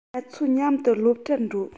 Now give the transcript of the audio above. ང ཚོ མཉམ དུ སློབ གྲྭར འགྲོ